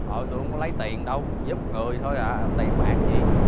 thui tui hông lấy tiền đâu giúp người thôi à tiền bạc gì